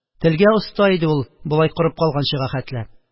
Телгә оста иде ул, болай корып калганчыга хәтле.